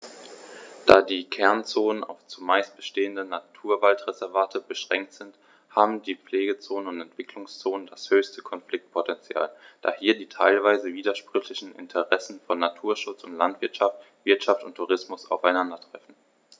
Da die Kernzonen auf – zumeist bestehende – Naturwaldreservate beschränkt sind, haben die Pflegezonen und Entwicklungszonen das höchste Konfliktpotential, da hier die teilweise widersprüchlichen Interessen von Naturschutz und Landwirtschaft, Wirtschaft und Tourismus aufeinandertreffen.